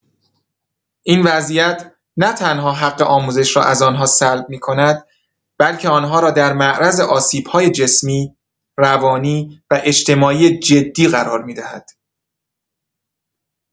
این وضعیت نه‌تنها حق آموزش را از آن‌ها سلب می‌کند، بلکه آن‌ها را در معرض آسیب‌های جسمی، روانی و اجتماعی جدی قرار می‌دهد.